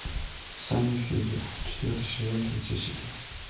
сеня федя четвертый сезон третья серия